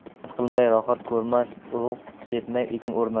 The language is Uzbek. mehnat qilmay rohat ko'rmas urug' sepmay ekin o'rmas